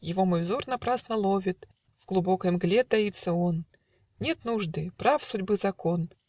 Его мой взор напрасно ловит, В глубокой мгле таится он. Нет нужды; прав судьбы закон.